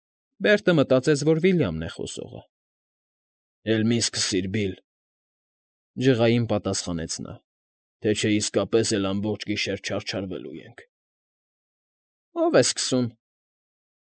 Բերտը մտածեց, որ Վիլյամն է խոսողը։ ֊ Էլ մի՛ սկսկիր, Բիլլ,֊ ջղային պատասխանեց նա,֊ թե չէ իսկապես էլ ամբողջ գիշերը չարչարվելու ենք։ ֊ Ո՞վ է սկսում,֊